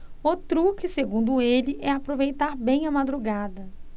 o truque segundo ele é aproveitar bem a madrugada